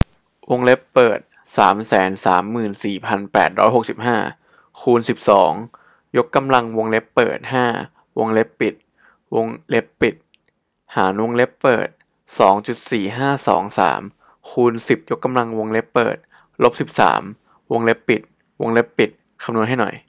วงเล็บเปิดสามแสนสามหมื่นสี่พันแปดร้อยหกสิบห้าคูณสิบสองยกกำลังวงเล็บเปิดห้าวงเล็บปิดวงเล็บปิดหารวงเล็บเปิดสองจุดสี่ห้าสองสามคูณสิบยกกำลังวงเล็บเปิดลบสิบสามวงเล็บปิดวงเล็บปิดคำนวณให้หน่อย